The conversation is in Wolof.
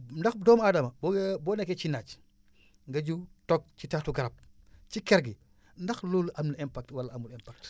ndax doomu aadama boo boo nekkee ci naaj nga jug toog ci taatu garab ci ker gi ndax loolu am na impact wala amul impact